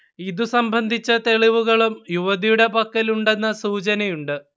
ഇത് സംബന്ധിച്ച തെളിവുകളും യുവതിയുടെ പക്കലുണ്ടെന്ന സൂചനയുണ്ട്